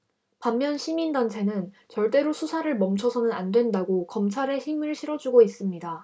반면 시민단체는 절대로 수사를 멈춰서는 안 된다고 검찰에 힘을 실어주고 있습니다